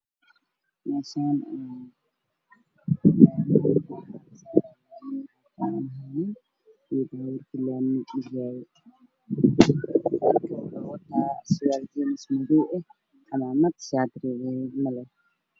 Meeshan waxaa iga muuqda laami la sameynayo oo ku dul taagan nin waxaana sameynayay laamiga cagaf waxaana wada nin